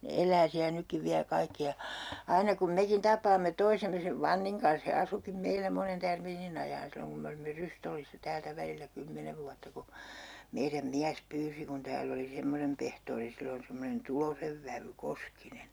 ne elää siellä nytkin vielä kaikki ja aina kun mekin tapaamme toisemme sen Vannin kanssa he asuikin meillä monen tärmiinin ajan silloin kun me olimme Rystollissa täältä välillä kymmenen vuotta kun meidän mies pyysi kun täällä oli semmoinen pehtori silloin semmoinen Tulosen vävy Koskinen